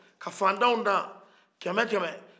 ka fantanw dan kɛmɛkɛmɛ